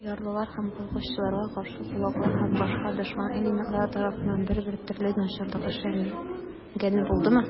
Ярлылар һәм колхозчыларга каршы кулаклар һәм башка дошман элементлар тарафыннан бер-бер төрле начарлык эшләнгәне булдымы?